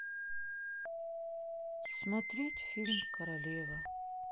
смотреть фильм королева